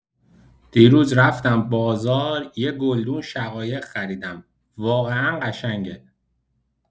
دیروز رفتم بازار یه گلدون شقایق خریدم، واقعا قشنگه!